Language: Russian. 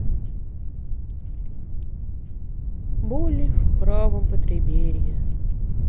боли в правом подреберье